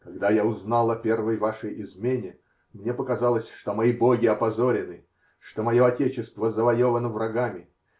Когда я узнал о первой вашей измене, мне показалось, что мои боги опозорены, что мое отечество завоевано врагами